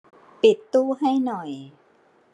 ปิดตู้ให้หน่อย